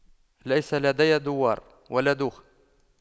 ليس لدي دوار ولا دوخة